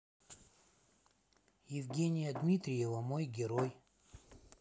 евгения дмитриева мой герой